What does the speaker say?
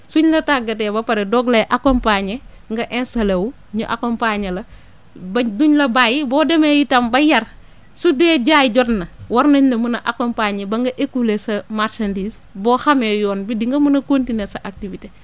suñ la tàggatee ba pare doog lay accompagner nga installé wu ñu accompagner la ba duñ la bàyyi boo demee itam ba yar su dee jaay jot na war nañ la mën a accompagner ba nga écoulé sa marchandise boo xamee yoon bi di nga mën a continuer sa activité